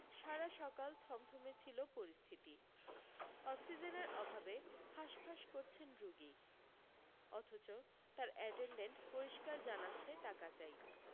সারা সকাল থমথমে ছিল পরিস্থিতি অক্সিজেনের অভাবে হাঁসফাঁস করছেন রোগী অথচ তার অ্যাটেনডেন্ট পরিষ্কার জানাচ্ছে টাকা চাই